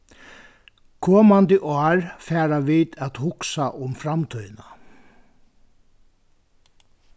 komandi ár fara vit at hugsa um framtíðina